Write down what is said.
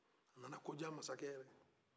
a nana kodiya masakɛ ye